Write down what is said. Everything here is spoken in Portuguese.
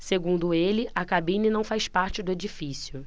segundo ele a cabine não faz parte do edifício